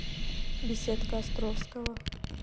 беседка островского